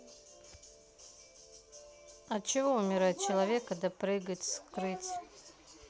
от чего умирает человек когда прыгает скрыть